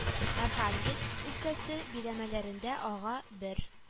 Архангельск өлкәсе биләмәләрендә ага бер